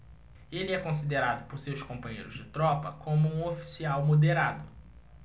ele é considerado por seus companheiros de tropa como um oficial moderado